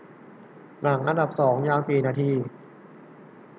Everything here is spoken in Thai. หนังอันดับสองยาวกี่นาที